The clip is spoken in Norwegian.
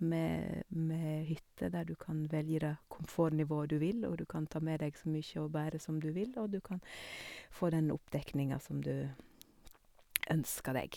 med Med hytter der du kan velge det komfortnivået du vil, og du kan ta med deg så mye å bære som du vil, og du kan få den oppdekninga som du ønsker deg.